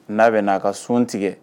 N'a bɛ n'a ka sun tigɛ